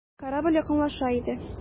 Корабль якынлаша иде.